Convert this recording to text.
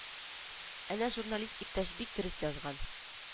Әнә журналист иптәш бик дөрес язган